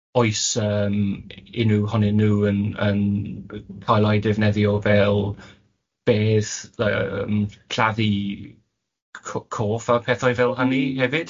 Oes yym unryw ohonyn nhw yn yn cael eu defnyddio fel bedd yy yym lladdu c- coff a pethau fel hynny hefyd?